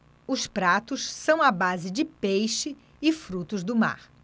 os pratos são à base de peixe e frutos do mar